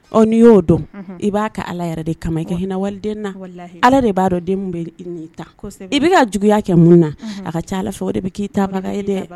Ɔ n'i y'o dɔn i b'a ka ala yɛrɛ de kama i kɛ hinɛwaleden na ala de b'a dɔn den bɛ ta i bɛ ka juguya kɛ mun na a ka ca ala fɛ o de bɛ k'i tabaga dɛ